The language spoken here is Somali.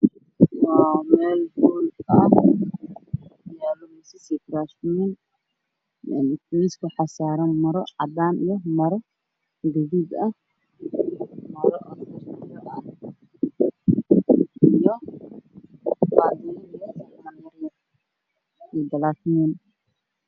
Waa meel hool ah miisas iyo kuraasman. Miisaska waxaa saaran maro cadaan iyo gaduud ah iyo maro oranji yar ah. Qaadooyin saxaman iyo galaas.